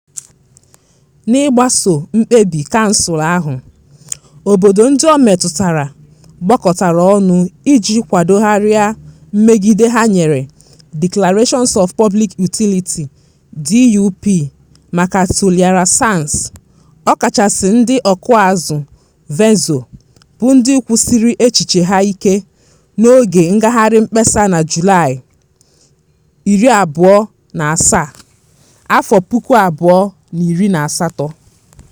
N'ịgbaso mkpebi [Kansụl] ahụ, obodo ndị o metụtara gbakọtara ọnụ iji kwadogharịa mmegide ha nyere Declarations of Public Utility (DUP) maka Toliara Sands, ọkachasị ndị ọkụazụ Vezo, bụ ndị kwusiri echiche ha ike… n'oge ngagharị mkpesa na Julaị 27, 2018.